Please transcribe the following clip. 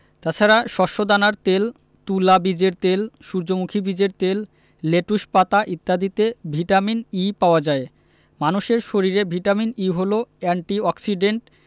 তাছাড়া শস্যদানার তেল তুলা বীজের তেল সূর্যমুখী বীজের তেল লেটুস পাতা ইত্যাদিতে ভিটামিন ই পাওয়া যায় মানুষের শরীরে ভিটামিন ই হলো এন্টি অক্সিডেন্ট